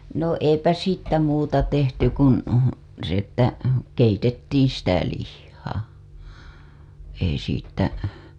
no eipä siitä muuta tehty kuin se että keitettiin sitä lihaa ei siitä